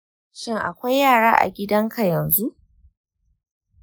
shin akwai yara a gidanka yanzu?